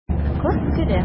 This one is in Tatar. Кыз көлә.